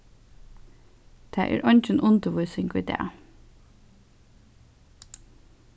tað er eingin undirvísing í dag